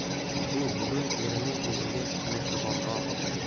u bugun erining o'ziga mehribonroq edi